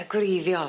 Y gwreiddiol.